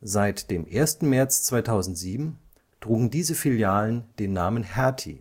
Seit 1. März 2007 trugen diese Filialen den Namen „ Hertie